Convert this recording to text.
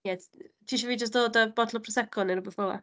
Ie, s- y- ti isio fi jyst dod â botel o Prosecco neu rywbeth fel 'na?